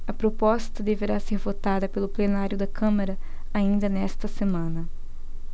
a proposta deverá ser votada pelo plenário da câmara ainda nesta semana